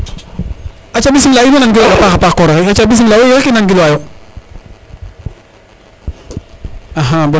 aca bismila in way nan gilwanga a paxa paax koro xe aca bismila wo rek i nan gilwa yo axa bon